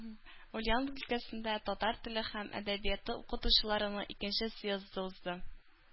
Ульяновск өлкәсендә татар теле һәм әдәбияты укытучыларының икенче съезды узды.